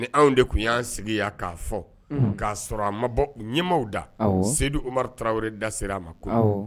Ni anw de tun y'an sigiya k'a fɔ k'a sɔrɔ a man bɔ ɲɛmaaw da Sedu Umari Tarawele da sera a ma